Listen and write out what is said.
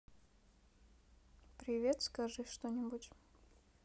привет скажи что нибудь